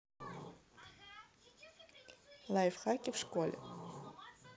лайфхаки в школе